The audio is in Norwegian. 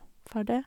Ferdig?